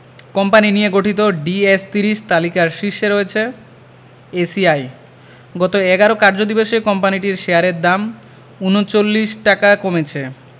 company নিয়ে গঠিত DS ৩০ তালিকার শীর্ষে রয়েছে এসিআই গত ১১ কার্যদিবসে কোম্পানিটির শেয়ারের দাম ৩৯ টাকা কমেছে